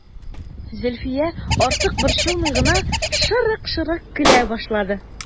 Зөлфия, артык борчылмый гына, шырык-шырык көлә башлады.